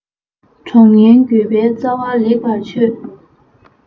གྲོགས ངན འགྱོད པའི རྩ བ ལེགས པར ཆོད